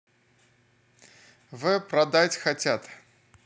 the продать хотят